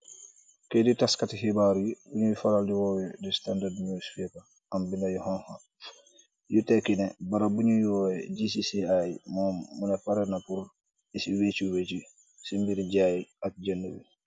Keetu tass Kate hebaar yee bunu feral de oyee the standard News paper , am bena yuu honha yu teekee nee berem bumu oye GCCI mum mune parena purr eci weche weche se mere jay ak jenda.